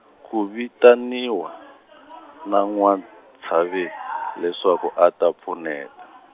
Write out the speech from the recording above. ku vitaniwa, na N'wa-Ntave-, leswaku a ta pfuneta.